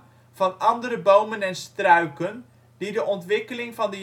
andere bomen en struiken, die de ontwikkeling van